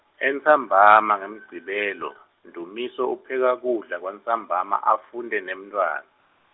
Entsambama ngeMgcibelo, Ndumiso upheka kudla kwantsambama afunte nemntfwana.